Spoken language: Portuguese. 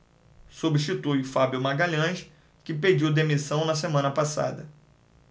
substitui fábio magalhães que pediu demissão na semana passada